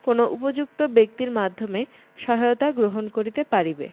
কোন উপযুক্ত ব্যক্তির মাধ্যমে সহায়তা গ্রহণ করিতে পারিবে